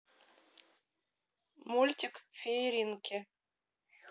мультик фееринки